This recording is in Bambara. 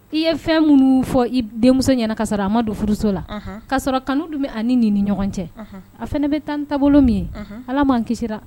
I ye fɛn minnu fɔ i denmuso ɲɛna ka sɔrɔ a ma don furuso la unhun ka sɔrɔ kanu dun bɛ ani ni ni ɲɔgɔn cɛ unhun a fɛnɛ bɛ taa ni taabolo min ye unhun ala m'an kisisira